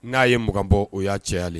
N'a ye mugan bɔ o y'a cayali